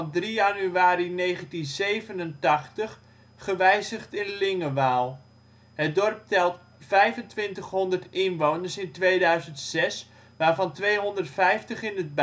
januari 1987 gewijzigd in Lingewaal. Het dorp telt 2.500 inwoners (2006), waarvan 250 in het buitengebied